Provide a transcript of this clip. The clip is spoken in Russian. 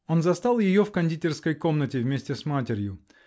Он застал ее в кондитерской комнате, вместе с матерью.